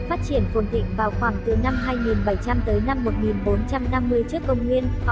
phát triển phồn thịnh vào khoảng từ năm tới năm trước công nguyên